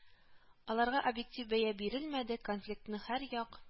Аларга объектив бәя бирелмәде, конфликтны һәр як